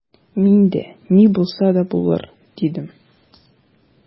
Мин дә: «Ни булса да булыр»,— дидем.